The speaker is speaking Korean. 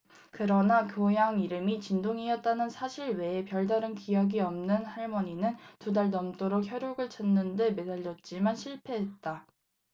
그러나 고향 이름이 진동이었다는 사실 외에 별다른 기억이 없는 할머니는 두 달 넘도록 혈육을 찾는 데 매달렸지만 실패했다